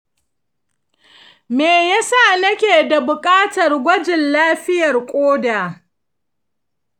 me yasa nake buƙatar gwajin lafiyar ƙoda?